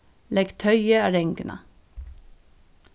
legg toyið á ranguna